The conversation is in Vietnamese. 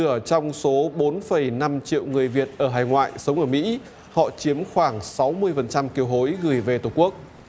nửa trong số bốn phẩy năm triệu người việt ở hải ngoại sống ở mỹ họ chiếm khoảng sáu mươi phần trăm kiều hối gửi về tổ quốc